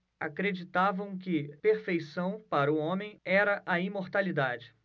acreditavam que perfeição para o homem era a imortalidade